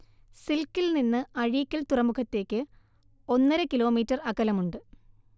സിൽക്കിൽനിന്ന് അഴീക്കൽ തുറമുഖത്തേക്ക് ഒന്നര കിലോമീറ്റർ അകലമുണ്ട്